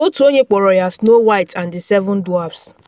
Otu onye kpọrọ ya “Snow White and the Seven Dwarfs.””